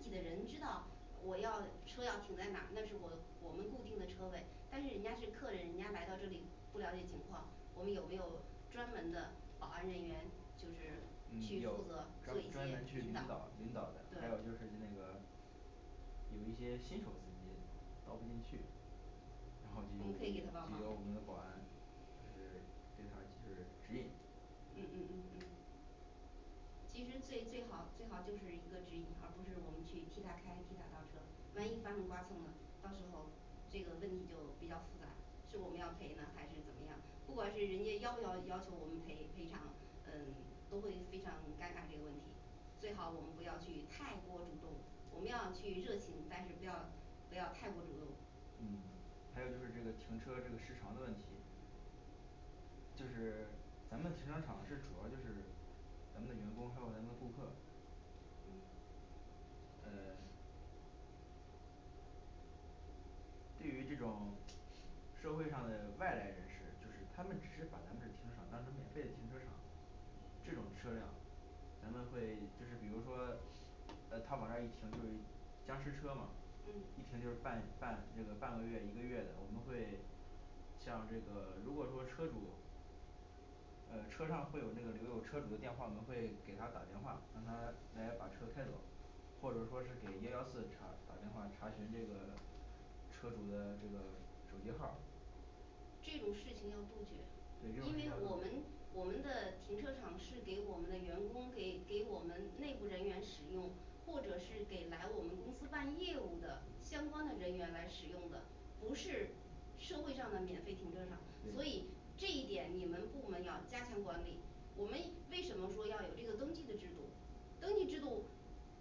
己的人知道我要车要停在哪儿那是我我们固定的车位，但是人家是客人，人家来到这里不了解情况，我们有没有专门的保安人员，就是去嗯那有个专做一专门去些引引导导引导的，还有就是一那个有一些新手儿司机倒不进去，然我后就由我们可以给他帮们忙就由我们的保安就是对他就是指引嗯嗯嗯嗯其实最最好最好就是一个指引，而不是我们去替他开替他倒车万一发生刮蹭呢到时候这个问题就比较复杂，是我们要赔呢还是怎么样，不管是人家要不要要求我们赔赔偿嗯 都会非常尴尬这个问题。最好我们不要去太过主动，我们要去热情，但是不要不要太过主动嗯还有就是这个停车这个时长的问题就是 咱们的停车场是主要就是咱们的员工还有咱们的顾客嗯呃 对于这种 社会上的外来人士就是他们只是把咱们这停车场当成免费的停车场这种车辆咱们会就是比如说呃他往那儿一停就是僵尸车嘛嗯一停就是半半这个半个月一个月的，我们会像这个如果说车主呃车上会有那个留有车主的电话，我们会给他打电话，让他来把车开走，或者说是给幺幺四查打电话查询这个车主的这个手机号儿这种事情要杜绝对因因为为那个我们我们的停车场是给我们的员工，给给我们内部人员使用，或者是给来我们公司办业务的相关的人员来使用的，不是社会上的免费停车场，所对以这一点你们部门要加强管理，我们为什么说要有这个登记的制度登记制度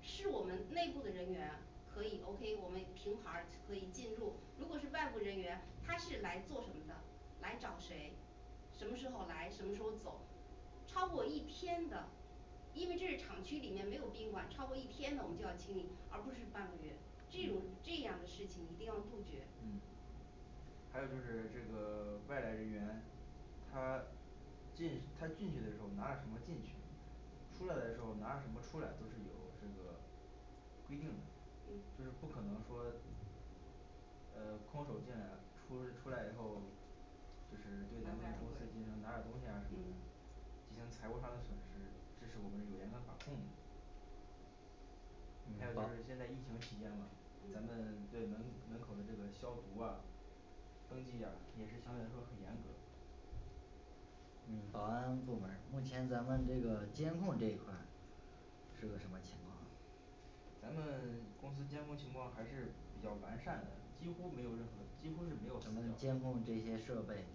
是我们内部的人员可以O K我们凭牌儿可以进入，如果是外部人员他是来做什么的，来找谁什么时候来，什么时候走？超过一天的因为这是厂区里面没有宾馆，超过一天的我们就要清理，而不是半个月这种嗯这样的事情一定要杜绝嗯还有就是这个 外来人员他进他进去的时候儿拿着什么进去出来的时候儿拿着什么出来都是有这个规定的嗯就是不可能说呃空手进来出出来以后就是对咱们公司进行拿点儿东西啊什么的嗯，进行财务上的损失，这是我们有严格把控的还有嗯就把是 现在疫情期间嘛，咱嗯们对门门口儿的这个消毒啊登记呀也是相对来说很严格嗯保安部门儿目前咱们这个监控这一块儿是个什么情况啊咱们 公司监控情况还是比较完善的几乎没有任何几乎是没有死咱们角监控儿的这些设备，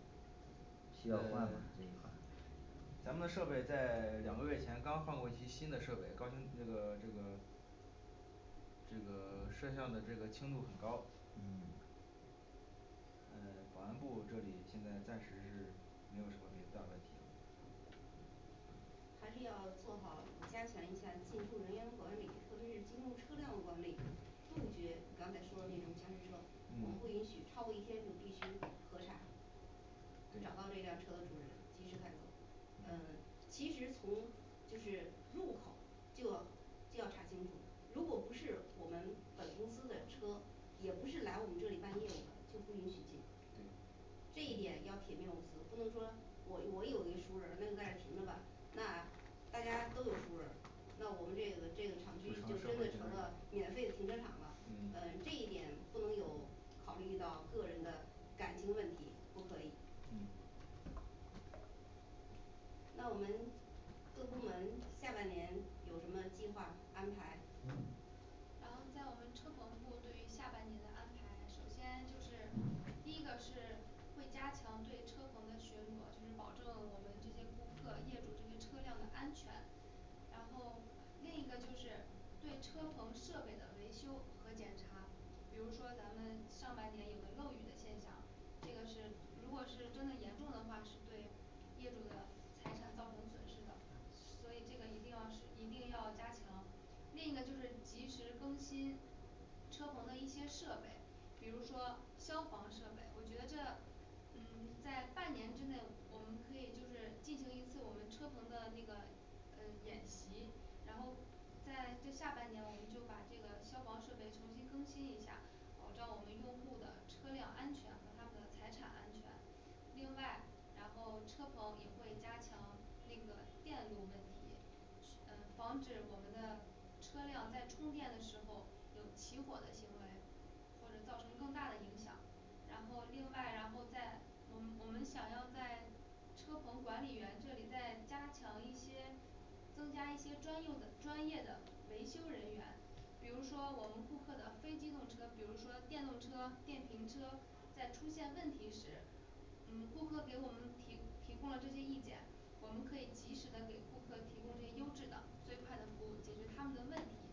需要嗯换吗这一 块儿咱们的设备在 两个月前刚换过一些新的设备，刚这个这个这个 摄像的这个清度很高嗯呃保安部这里现在暂时是没有什么别的大问题了还是要做好加强一下进出人员管理，特别是机动车辆的管理，杜绝刚才说的那种僵尸车我们不允许嗯超过一天你必须核查找到这对辆车的主人及时开走呃嗯其实从就是入口就要就要查清楚，如果不是我们本公司的车，也不是来我们这里办业务的就不允许进对这一点要铁面无私，不能说我我有一个熟人儿那就在这儿停着吧那大家都有熟人儿那我们这个这个厂区就就成社真会的停成车了场免费的停车场了呃这嗯一点不能有考虑到个人的感情问题不可以嗯那我们各部门下半年有什么计划安排然后在我们车棚部对于下半年的安排，首先就是第一个是会加强对车棚的巡逻，就是保证我们这些顾客业主这些车辆的安全然后另一个就是对车棚设备的维修和检查比如说咱们上半年有个漏雨的现象这个是如果是真的严重的话，是对业主的财产造成损失的 所以这个一定要是一定要加强另一个就是及时更新车棚的一些设备，比如说消防设备，我觉的这嗯在半年之内我们可以就是进行一次我们车棚的那个嗯演习，然后在这下半年我们就把这个消防设备重新更新一下，保障我们用户的车辆安全和他们的财产安全另外然后车棚也会加强那个电路问题是呃防止我们的车辆在充电的时候有起火的行为，或者造成更大的影响然后另外然后在我们我们想要在车棚管理员这里再加强一些增加一些专用的专业的维修人员，比如说我们顾客的非机动车，比如说电动车电瓶车在出现问题时嗯顾客给我们提提供了这些意见，我们可以及时的给顾客提供最优质的最快的服务，解决他们的问题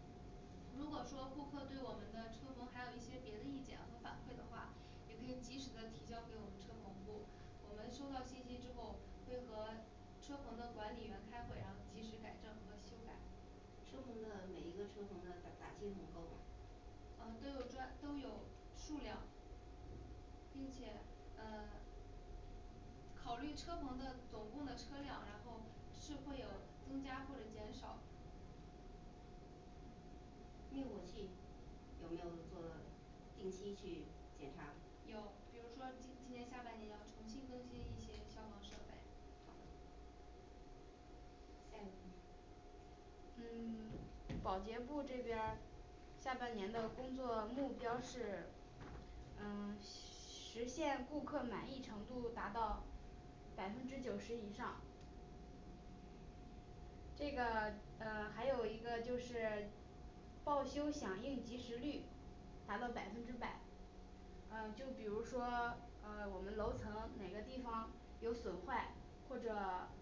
如果说顾客对我们的车棚还有一些别的意见和反馈的话，也可以及时的提交给我们车棚部。我们收到信息之后，会和车棚的管理员开会，然后及时改正和修改车棚的每一个车棚的打打气筒够吗嗯都有专都有数量，并且呃 考虑车棚的总共的车辆，然后是会有增加或者减少灭火器有没有做定期去检查有比如说今今年下半年要重新更新一些消防设备好的下一个部门嗯 保洁部儿这边儿下半年的工作目标儿是嗯实 现顾客满意程度达到百分之九十以上这个 呃还有一个就是报修响应及时率达到百分之百呃就比如说 呃我们楼层哪个地方有损坏或者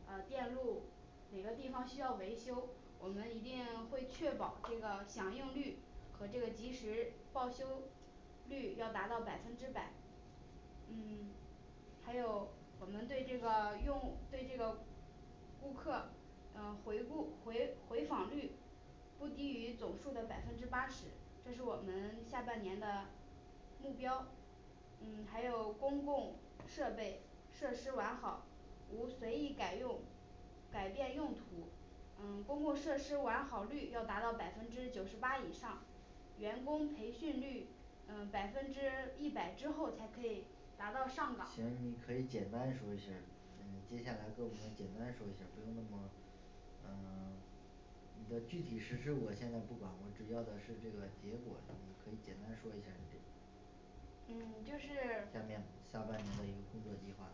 呃电路哪个地方需要维修，我们一定会确保这个响应率和这个及时报修率要达百分之百嗯 还有我们对这个用对这个顾客呃回顾回回访率不低于总数儿的百分之八十这是我们下半年的目标嗯还有公共设备设施完好无随意改用，改变用途嗯公共设施完好率要达到百分之九十八以上，员工培训率呃百分之一百之后才可以达到上岗行，你可以简单说一下儿嗯接下来各部门儿简单说一下儿不用那么呃 你的具体实施我现在不管，我只要的是这个结果你可以简单说一下儿你这个嗯就是下面下半年的一个工作计划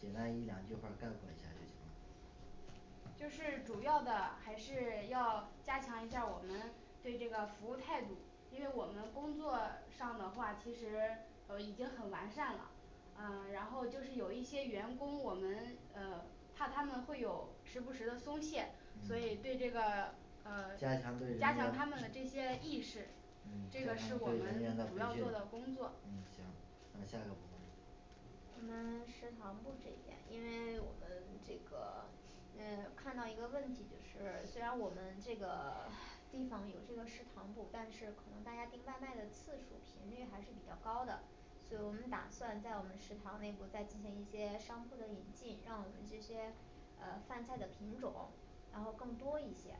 简单一两句话儿概括一下儿就行了就是主要的还是要加强一下儿我们对这个服务态度，因为我们工作上的话其实呃已经很完善了，啊然后就是有一些员工我们呃怕他们会有时不时的松懈，所以对嗯这个呃加加强强对人员他们的这些意识嗯，这加个是强我对人们员的培主要做的训工作嗯行那下个部门儿我们食堂部这边，因为我们这个 呃看到一个问题就是虽然我们这个 地方有这个食堂部但是可能大家订外卖的次数频率还是比较高的所以我们打算在我们食堂内部再进行一些商铺的引进，让我们这些呃饭菜的品种然后更多一些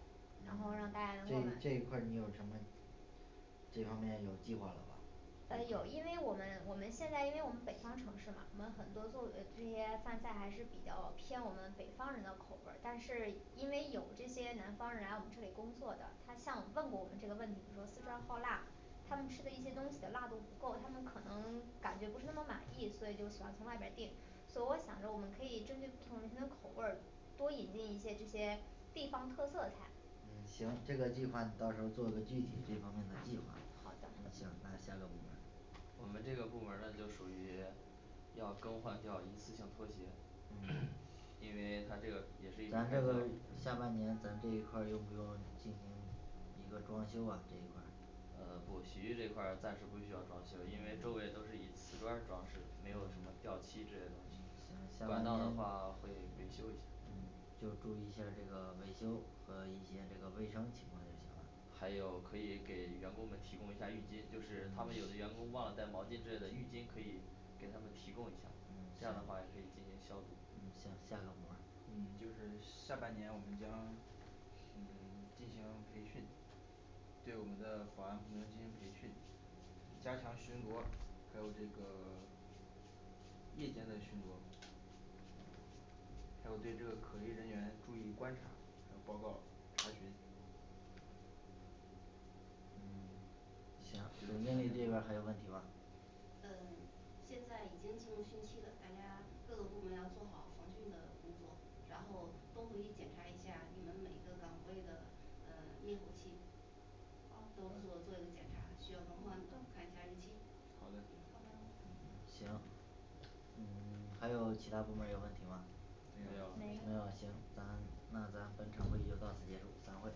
然后让大家能这够买这一块儿你有什么这方面有计划了吧呃有因为我们我们现在因为我们北方城市嘛，我们很多做的呃这些饭菜还是比较偏我们北方人的口味儿，但是因为有这些南方人来我们这里工作的，他向问过我们这个问题，比如说四川好辣他们吃的一些东西的辣度不够，他们可能 感觉不是那么满意，所以就喜欢从外边儿订所以我想着我们可以针对不同人群的口味儿，多引进一些这些地方特色菜呃不洗浴这块儿暂时不需要装修，因为周围都是以瓷砖儿装饰，没好有什么掉漆之类东西的管道的话会维修一下儿我们这个部门儿呢就属于要更换掉一次性拖鞋嗯 因为它这个也是一种咱这开个下销半年咱这一块儿用不用进行一个装修啊这一块儿呃不洗浴这块儿暂时不需要装修，因为周嗯围都是以瓷砖儿装饰，没有什么掉漆之类嗯东西行翻像装的话卫会生间维修一嗯就注下意一下儿这个维修和一些这个卫生情况就行了还有可以给员工们提供一下儿浴巾就是他们有的员工忘了带毛巾之类的浴巾可以给他们提供一下儿，这嗯样的话也行可以进行消嗯毒行下个部门儿嗯就是下半年我们将嗯 进行培训对我们的保安部门进行培训，加强巡逻，还有这个 夜间的巡逻还有对这个可疑人员注意观察，还有报告查询嗯行，总经理这边儿还有问题吗呃现在已经进入汛期了，大家各个部门要做好防汛的工作，然后都回去检查一下你们每个岗位的呃灭火器好嗯都都好做的做一个检查，需要更换的都看一下儿日期好的好的嗯行嗯 还有其他部门儿有问题吗没没有有没有那没行咱那咱本场会议就到此结束，散会